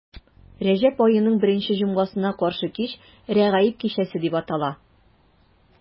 Рәҗәб аеның беренче җомгасына каршы кич Рәгаиб кичәсе дип атала.